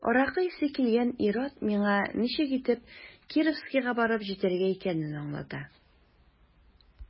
Аракы исе килгән ир-ат миңа ничек итеп Кировскига барып җитәргә икәнен аңлата.